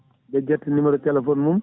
ɓe ƴetta numeré téléphone mun